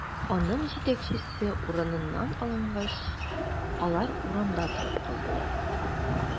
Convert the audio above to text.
Аның җитәкчесе урыныннан алынгач, алар урамда торып калдылар.